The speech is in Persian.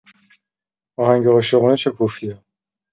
آهنگ عاشقونه چه کوفتیه؟